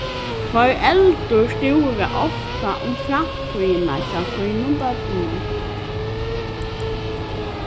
foreldur stúra ofta um framtíðina hjá sínum børnum